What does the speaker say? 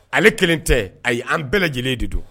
Ale kelen tɛ a ye an bɛɛ lajɛlen de don